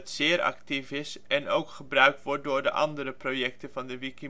zeer actief is en ook gebruikt wordt door de andere projecten van de WikiMedia